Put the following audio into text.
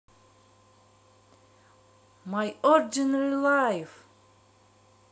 my ordinary life